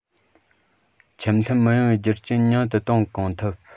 འཆམ མཐུན མི ཡོང བའི རྒྱུ རྐྱེན ཉུང དུ གཏོང གང ཐུབ